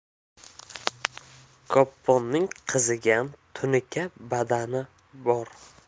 kopponning qizigan tunuka badani bor